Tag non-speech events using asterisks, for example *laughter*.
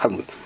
*hesitation*